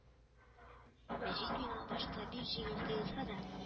Мәҗит миңа башта бик җиңел тоелса да